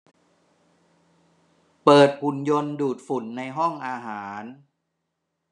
เปิดหุ่นยนต์ดูดฝุ่นในห้องอาหาร